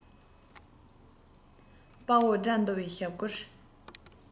དཔའ བོ དགྲ འདུལ བའི ཞབས བསྐུལ